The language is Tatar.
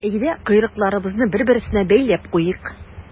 Әйдә, койрыкларыбызны бер-берсенә бәйләп куйыйк.